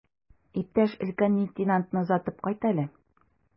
Иптәш өлкән лейтенантны озатып кайт әле.